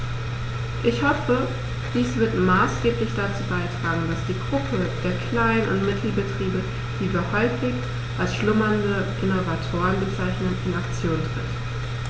Ich hoffe, dies wird maßgeblich dazu beitragen, dass die Gruppe der Klein- und Mittelbetriebe, die wir häufig als "schlummernde Innovatoren" bezeichnen, in Aktion tritt.